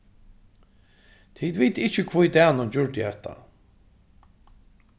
tit vita ikki hví danin gjørdi hatta